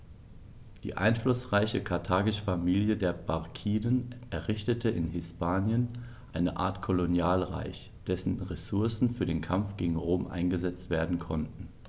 Die einflussreiche karthagische Familie der Barkiden errichtete in Hispanien eine Art Kolonialreich, dessen Ressourcen für den Kampf gegen Rom eingesetzt werden konnten.